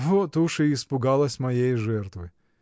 — Вот уж и испугалась моей жертвы!